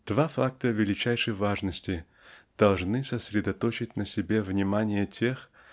Два факта величайшей важности должны сосредоточить на себе внимание тех